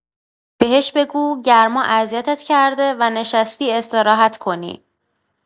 بهش بگو گرما اذیتت کرده و نشستی استراحت کنی.